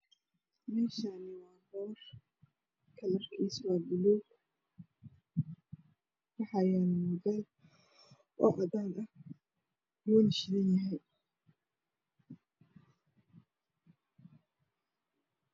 Meeshaan waa boor kalarkiisu waa buluug waxaa yaalo muubeel cadaan ah wuuna shidan yahay.